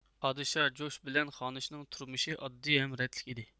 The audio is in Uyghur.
پادىشاھ جوج بىلەن خانىشنىڭ تۇرمۇشى ئاددى ھەم رەتلىك ئىدى